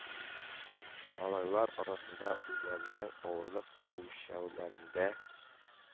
Малайлар арасында үзләренең авырлык үлчәүләрендә